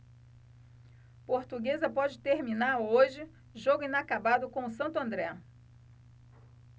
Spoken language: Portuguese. portuguesa pode terminar hoje jogo inacabado com o santo andré